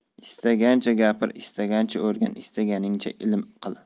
istagancha gapir istagancha o'rgan istaganingcha ilm qil